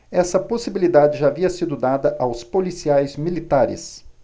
essa possibilidade já havia sido dada aos policiais militares